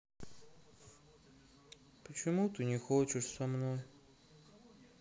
почему ты не хочешь со мной